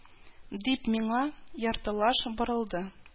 Дип миңа яртылаш борылды